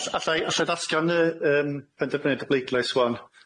All- allai allai ddatgan y yym penderfyniad y bleidlais ŵan?